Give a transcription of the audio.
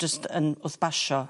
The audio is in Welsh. jyst yn wrth basio